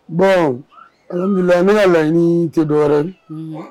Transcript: Bɔn n bɛna lam ni tɛ dɔɛrɛ